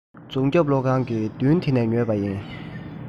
རྫོང རྒྱབ ཀླུ ཁང གི མདུན དེ ནས ཉོས པ ཡིན